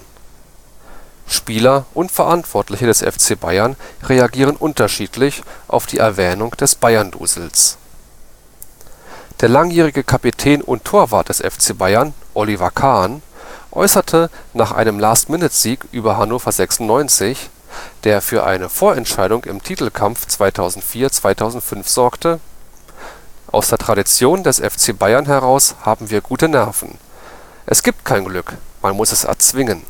Spieler und Verantwortliche des FC Bayern reagieren unterschiedlich auf die Erwähnung des Bayern-Dusels. Der langjährige Kapitän und Torwart des FC Bayern, Oliver Kahn, äußerte nach einem Last-Minute-Sieg über Hannover 96, der für eine Vorentscheidung im Titelkampf 2004/2005 sorgte: „ Aus der Tradition des FC Bayern heraus haben wir gute Nerven. Es gibt kein Glück, man muss es erzwingen